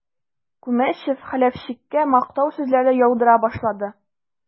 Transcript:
Күмәчев Хәләфчиккә мактау сүзләре яудыра башлады.